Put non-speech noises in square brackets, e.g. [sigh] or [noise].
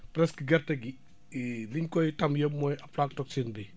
presque gerte gi [hesitation] liñ koy tam yëpp mooy apatoxine bi